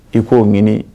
I k'o ɲini